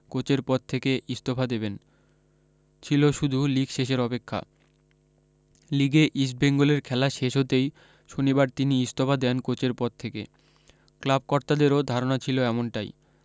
কোচের পদ থেকে ইস্তফা দেবেন ছিল শুধু লিগ শেষের অপেক্ষা লিগে ইস্টবেঙ্গলের খেলা শেষ হতেই শনিবার তিনি ইস্তফা দেন কোচের পদ থেকে ক্লাবকর্তাদেরও ধারণা ছিল এমনটাই